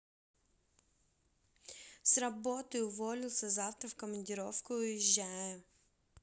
с работы уволился завтра в командировку уезжаю